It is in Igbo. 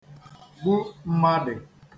gbu mmadị̀